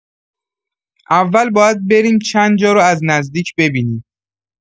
اول باید بریم چند جا رو از نزدیک ببینیم.